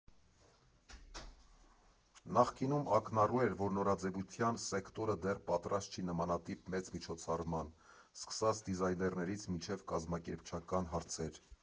Նախկինում ակնառու էր, որ նորաձևության սեկտորը դեռ պատրաստ չի նմանատիպ մեծ միջոցառմաան՝ սկսած դիզայներներից մինչև կազմակերպչական հարցեր։